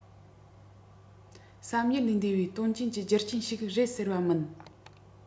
བསམ ཡུལ ལས འདས པའི དོན རྐྱེན གྱི རྒྱུ རྐྱེན ཞིག རེད ཟེར བ མིན